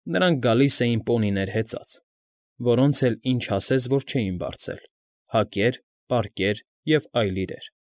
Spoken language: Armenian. Նրանք գալիս էին պոնիներ հեծած, որոնց էլ ինչ ասես, որ չէին բարձել՝ հակեր, պարկեր և այլ իրեր։